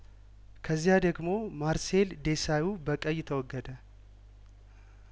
ከዚያ ደግሞ ማርሴል ዴሳዩ በቀይ ተወገደ